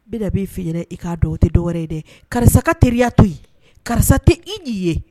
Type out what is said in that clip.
Bɛ b'i feere i ka tɛ dɔwɛrɛ ye dɛ karisa teriya to karisa tɛ i di ye